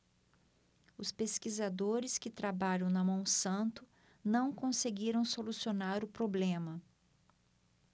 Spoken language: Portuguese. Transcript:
os pesquisadores que trabalham na monsanto não conseguiram solucionar o problema